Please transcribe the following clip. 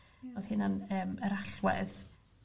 Hmm. O'dd hynna'n yym yr allwedd